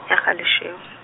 ya Galeshewe.